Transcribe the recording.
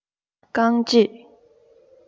རྐང རྗེས